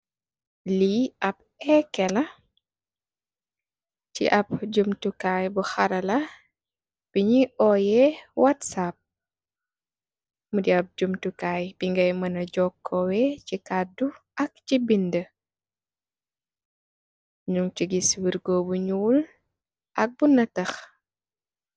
Lii ab ekke la, ci ab ab jumtu kaay yu xarale, bi ñuy owe watsaap. Mu di ab jumtu kaay bu bi ngai mannë jookoowe ci kaadu ak ci bindë. Ñung ci gis wirgoo bu ñuul ak bu nëttëx.